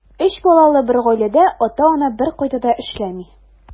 Өч балалы бер гаиләдә ата-ана беркайда да эшләми.